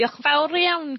diolch yn fawr iawn...